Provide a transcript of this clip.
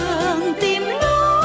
ái